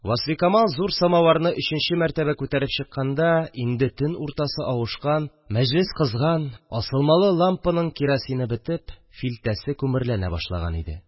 Васфикамал зур самавырны өченче мәртәбә күтәреп чыкканда инде төн уртасы авышкан, мәҗлес кызган, асылмалы лампаның керосины бетеп, филтәсе күмерләнә башлаган иде